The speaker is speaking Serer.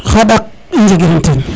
xaɗaq i njegiran ten